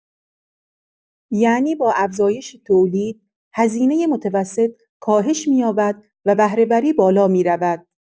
یعنی با افزایش تولید، هزینۀ متوسط کاهش می‌یابد و بهره‌وری بالا می‌رود.